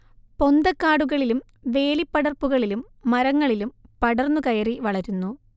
പൊന്തക്കാടുകളിലും വേലിപ്പടർപ്പുകളിലും മരങ്ങളിലും പടർന്നു കയറി വളരുന്നു